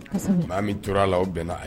Maami tora la aw bɛnna